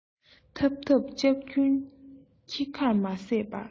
འཐབ འཐབ ལྕག རྒྱུན ཁྱི ཁར མ ཟད པར